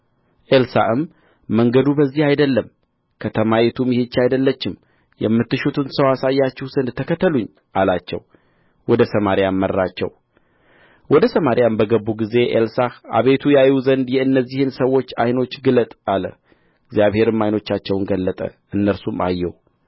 ኤልሳዕም መንገዱ በዚህ አይደለም ከተማይቱም ይህች አይደለችም የምትሹትን ሰው አሳያችሁ ዘንድ ተከተሉኝ አላቸው ወደ ሰማርያም መራቸው ወደ ሰማርያም በገቡ ጊዜ ኤልሳዕ አቤቱ ያዩ ዘንድ የእነዚህን ሰዎች ዓይኖች ግለጥ አለ እግዚአብሔርም ዓይኖቻቸውን ገለጠ እነርሱም አዩ